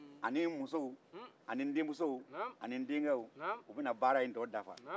ani musow ani denmusow ani dencɛw u bɛna baara in tɔɔ dafa